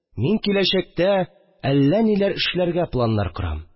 Мин киләчәктә әллә ниләр эшләргә планнар корам